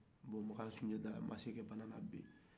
bɔn makan sunjata ma se ka bana labin